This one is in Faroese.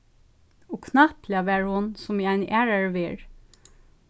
og knappliga var hon sum í einari aðrari verð